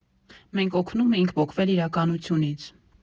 Մենք օգնում էինք պոկվել իրականությունից։